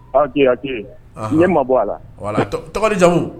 Aa jeliyake ma bɔ a la tɔgɔ jamumu